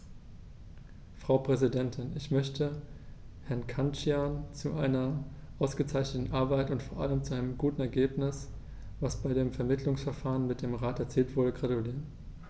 Frau Präsidentin, ich möchte Herrn Cancian zu seiner ausgezeichneten Arbeit und vor allem zu dem guten Ergebnis, das bei dem Vermittlungsverfahren mit dem Rat erzielt wurde, gratulieren.